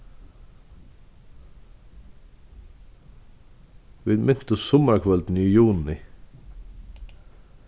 vit mintust summarkvøldini í juni